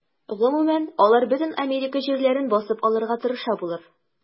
Гомумән, алар бөтен Америка җирләрен басып алырга тырыша булыр.